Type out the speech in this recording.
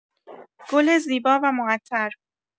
گل زیبا و معطر